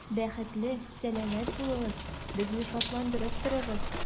Бәхетле, сәламәт булыгыз, безне шатландырып торыгыз.